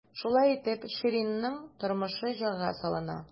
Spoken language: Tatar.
Шулай итеп, Ширинның тормышы җайга салына.